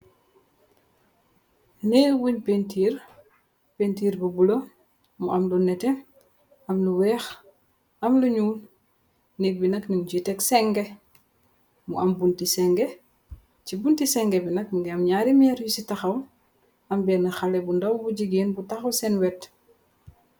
neew wuñ pentiir pentiir bu bula mu am lu nete am lu weex am luñu neg bi nagninu ci teg senge mu am bunti senge ci bunti senge bi nag ngi am ñaari meer yu ci taxaw am benn xale bu ndaw bu jigeen bu taxaw seen wet